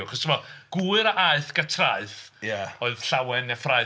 Achos timod gwyr a aeth Gatraeth... ia. ...oedd llawen neu fraeth.